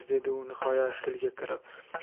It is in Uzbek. dedi u nihoyat tilga kirib